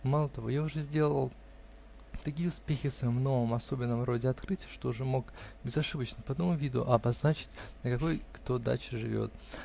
Мало того, я уже сделал такие успех в своем новом, особенном роде открытий, что уже мог безошибочно, по одному виду, обозначить, на какой кто даче живет.